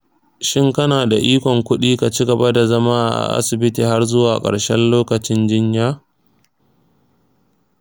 shin kana da ikon kuɗi ka ci gaba da zama a asibiti har zuwa ƙarshen lokacin jinya?